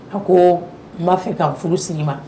A koo n b'a fɛ ka n furu sir'i ma